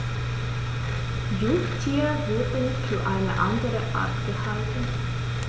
Jungtiere wurden für eine andere Art gehalten.